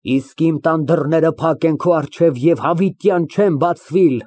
Իսկ իմ տան դռները փակ են քո առջև ու հավիտյան չեն բացվիլ։